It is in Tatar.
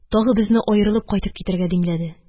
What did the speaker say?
Тагы безне аерылып кайтып китәргә димләде.